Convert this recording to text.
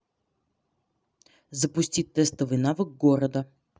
запусти тестовый навык города